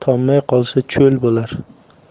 tommay qolsa cho'l bo'lar